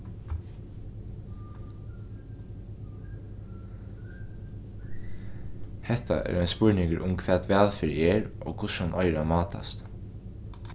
hetta er ein spurningur um hvat vælferð er og hvussu hon eigur at mátast